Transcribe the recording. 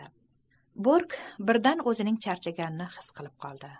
bork birdan o'zining charchaganini his qilib dedi